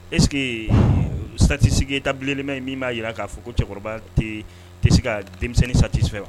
E satisi ta bilenlen in min b'a jira k'a fɔ ko cɛkɔrɔba tɛ tɛ se ka denmisɛnnin sati fɛ wa